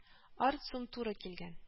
Ард сум туры килгән